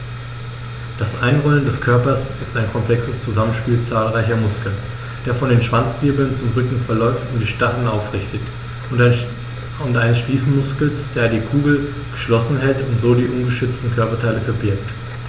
Das Einrollen des Körpers ist ein komplexes Zusammenspiel zahlreicher Muskeln, der von den Schwanzwirbeln zum Rücken verläuft und die Stacheln aufrichtet, und eines Schließmuskels, der die Kugel geschlossen hält und so die ungeschützten Körperteile verbirgt.